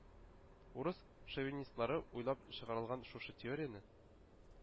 Урыс шовинистлары уйлап чыгарылган шушы теорияне